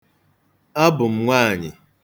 Abụ m nwaanyị.